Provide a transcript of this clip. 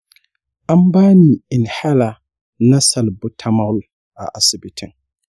an ba ni inhaler na salbutamol a asibitin.